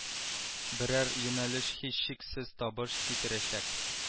Берәр юнәлеш һичшиксез табыш китерәчәк